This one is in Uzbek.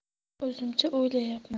o'zimcha o'ylayapman